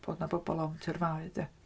Bod yna bobl ofn tyrfaoedd de?